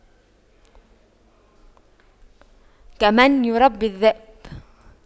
كمن يربي الذئب